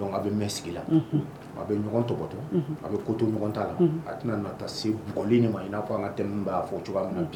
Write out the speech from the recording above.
Bɛ sigi a bɛ ɲɔgɔn tɔto a bɛ ko to ɲɔgɔn t'a la a tɛna taa se mɔli min ma n'a ko an ka tɛmɛ'a fɔ cogoya